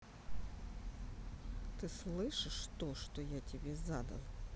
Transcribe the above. ты слышишь то что я тебе задал